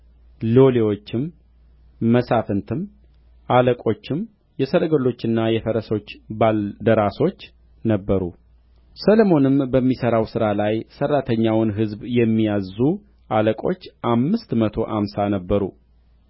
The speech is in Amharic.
ሎሌዎችም መሳፍንትም አለቆችም የሰረገሎችና የፈረሶች ባልደራሶች ነበሩ ሰሎሞንም በሚሠራው ሥራ ላይ ሠራተኛውን ሕዝብ የሚያዝዙ አለቆች አምስት መቶ አምሳ ነበሩ